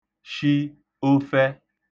shi ofẹ